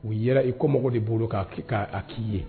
U yɛrɛ i ko mako de bolo k'a'a k'i ye